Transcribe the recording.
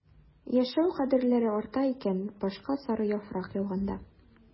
Яшәү кадерләре арта икән башка сары яфрак яуганда...